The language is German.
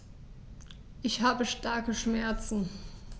Ich habe starke Schmerzen.